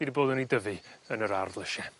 fi 'di bod yn 'i dyfu yn yr ardd lysie.